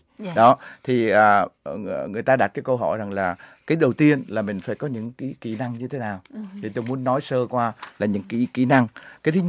đó thì à ở người ta đặt câu hỏi rằng là cái đầu tiên là mình phải có những kỹ kỹ năng như thế nào thì tôi muốn nói sơ qua là những cái kỹ năng cái thứ nhất